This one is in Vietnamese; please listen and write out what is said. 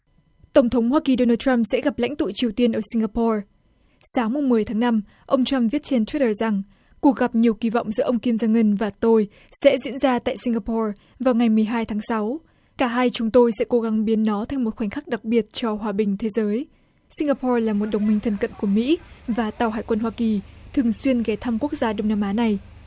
tổng thống hoa kỳ đô nờ trăm sẽ gặp lãnh tụ triều tiên ở sinh ga po sáng mùng mười tháng năm ông trăm viết trên chuýt đờ rằng cuộc gặp nhiều kỳ vọng giữa ông kim giong ưn và tôi sẽ diễn ra tại sinh ga po vào ngày mười hai tháng sáu cả hai chúng tôi sẽ cố gắng biến nó thành một khoảnh khắc đặc biệt cho hòa bình thế giới sinh ga po là một đồng minh thân cận của mỹ và tàu hải quân hoa kỳ thường xuyên ghé thăm quốc gia đông nam á này